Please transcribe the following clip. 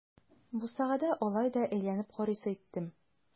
Бусагада алай да әйләнеп карыйсы иттем.